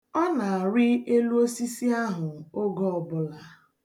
Ọ na-arị elu osisi ahụ oge ọbụla.